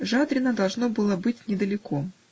Жадрино должно было быть недалеко.